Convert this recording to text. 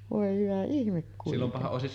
voi hyvä ihme kuitenkin